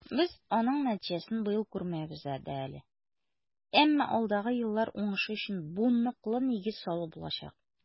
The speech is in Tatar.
Без аның нәтиҗәсен быел күрмәбез дә әле, әмма алдагы еллар уңышы өчен бу ныклы нигез салу булачак.